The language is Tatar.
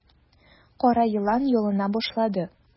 Кара елан ялына башлады.